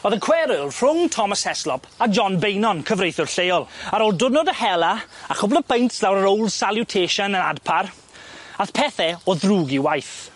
O'dd y cweryl rhwng Thomas Heslop a John Beynon, cyfreithiwr lleol. Ar ôl diwrnod o hela a chwpwl o peints lawr yr old salutation yn Adpar a'th pethe o ddrwg i waith.